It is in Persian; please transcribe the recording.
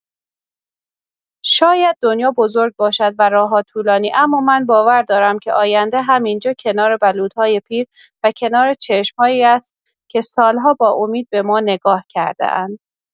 شاید دنیا بزرگ باشد و راه‌ها طولانی، اما من باور دارم که آینده همین‌جا، کنار بلوط‌های پیر و کنار چشم‌هایی است که سال‌ها با امید به ما نگاه کرده‌اند.